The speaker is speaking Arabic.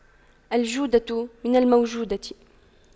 الجودة من الموجودة